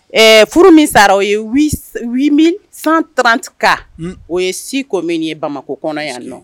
Ɛɛ furu min sara o ye 8 8130 cas ;un; O ye 6 communes ye bamakɔ kɔnɔ yan nɔ